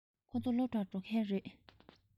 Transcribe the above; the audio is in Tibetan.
ཁོ ཚོ སློབ གྲྭར འགྲོ མཁན རེད